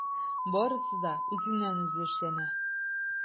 Барысы да үзеннән-үзе эшләнә.